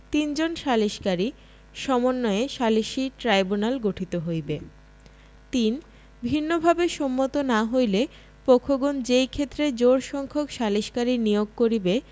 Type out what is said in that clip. তিনজন সালিসকারী সমন্বয়ে সালিসী ট্রাইব্যুনাল গঠিত হইবে ৩ ভিন্নভাবে সম্মত না হইলে পক্ষগণ যেইক্ষেত্রে জোড়সংখ্যক সালিসকারী নিয়েঅগ করিবে